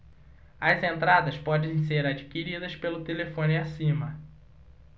as entradas podem ser adquiridas pelo telefone acima